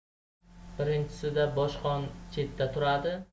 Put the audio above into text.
birinchisida boshqon chetda turadi